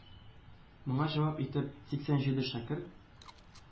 Моңа җавап итеп, сиксән җиде шәкерт